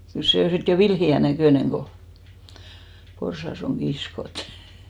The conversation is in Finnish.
kyllä se on sitten jo vilheän näköinen kun porsas on kiskottu